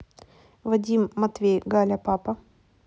вадим матвей галя папа